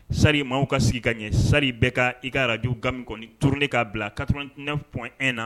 Sari maaw ka sigi ka ɲɛ sari bɛ ka i ka aradi gami kɔni turunnen k' bila kattiininapɛ na